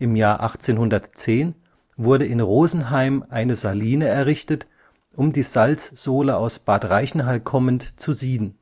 1810 wurde in Rosenheim eine Saline errichtet, um die Salzsole aus Bad Reichenhall kommend zu sieden